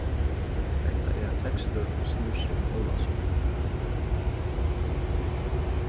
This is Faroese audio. hetta er ein tekstur ið snýr seg um ólavsøkuna